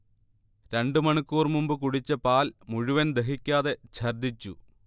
രണ്ടു മണിക്കൂർ മുമ്പ് കുടിച്ച പാൽ മുഴുവൻ ദഹിക്കാതെ ഛർദ്ദിച്ചു